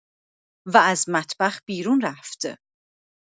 و از مطبخ بیرون رفت.